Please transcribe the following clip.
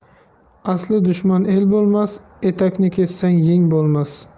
asli dushman el bo'lmas etakni kessang yeng bo'lmas